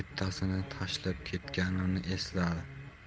bittasini tashlab ketganini esladi